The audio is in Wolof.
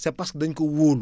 c' est parce que dañ ko wóolu